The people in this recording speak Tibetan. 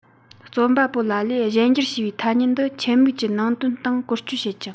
རྩོམ པ པོ ལ ལས གཞན འགྱུར ཞེས པའི ཐ སྙད འདི ཆེད དམིགས ཀྱི ནང དོན སྟེང བཀོལ སྤྱོད བྱེད ཅིང